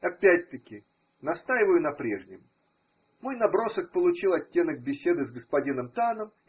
Опять-таки настаиваю на прежнем: мой набросок получил оттенок беседы с господином Таном.